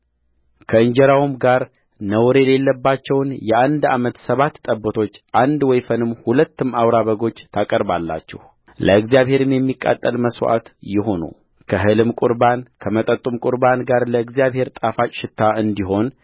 ከእንጀራውም ጋር ነውር የሌለባቸውን የአንድ ዓመት ሰባት ጠቦቶች አንድ ወይፈንም ሁለትም አውራ በጎች ታቀርባላችሁ ለእግዚአብሔር የሚቃጠል መሥዋዕት ይሁኑ ከእህልም ቍርባን ከመጠጡም ቍርባን ጋር ለእግዚአብሔር ጣፋጭ ሽታ እንዲሆን